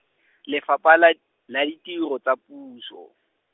Lefapha la, la Ditiro tsa Puso.